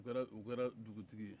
o kɛra dugutigi ye